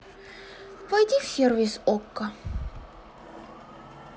войди в сервис окко